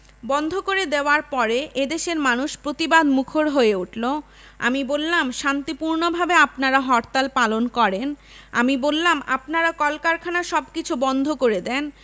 বন্ধ করে দেওয়ার পরে এদেশের মানুষ প্রতিবাদ মুখর হয়ে উঠলো আমি বললাম শান্তিপূর্ণভাবে আপনারা হরতাল পালন করেন আমি বললাম আপনারা কল কারখানা সবকিছু বন্ধ করে দেন